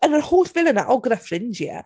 Yn yr holl villa 'na? O gyda ffrindiau.